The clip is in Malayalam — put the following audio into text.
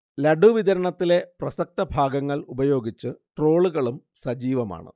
ലഡു വിതരണത്തിലെ പ്രസക്തഭാഗങ്ങൾ ഉപയോഗിച്ച് ട്രോളുകളും സജീവമാണ്